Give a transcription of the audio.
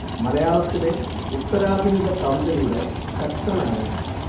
മലയാളത്തിലെ ഉത്തരാധുനിക കവിതയുടെ ശക്തനായ